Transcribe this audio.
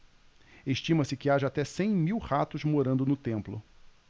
estima-se que haja até cem mil ratos morando no templo